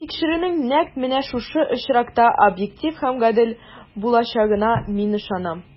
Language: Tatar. Ә тикшерүнең нәкъ менә шушы очракта объектив һәм гадел булачагына мин ышанам.